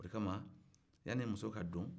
o de kama yann'i muso ka don